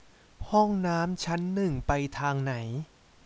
ห้องน้ำชั้นหนึ่งไปทางไหน